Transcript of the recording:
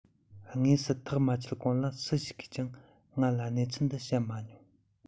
དངོས སུ ཐག མ བཅད གོང ལ སུ ཞིག གིས ཀྱང ང ལ གནས ཚུལ འདི བཤད མ མྱོང